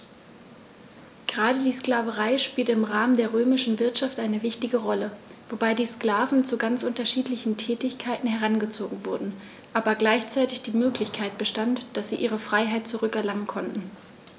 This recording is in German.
Gerade die Sklaverei spielte im Rahmen der römischen Wirtschaft eine wichtige Rolle, wobei die Sklaven zu ganz unterschiedlichen Tätigkeiten herangezogen wurden, aber gleichzeitig die Möglichkeit bestand, dass sie ihre Freiheit zurück erlangen konnten.